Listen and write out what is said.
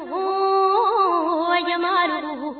H jamadugu